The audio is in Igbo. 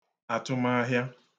àtụmahịa